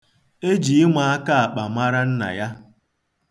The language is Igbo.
E ji ịma akaakpa mara nna ya.